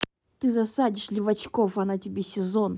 ты засадишь левачков она тебе сезон